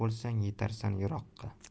bo'lsang yetarsan yiroqqa